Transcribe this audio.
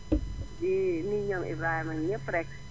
di nuyu ñoom Ibrahima ñëpp rekk